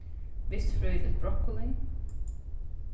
vistfrøðiligt brokkoli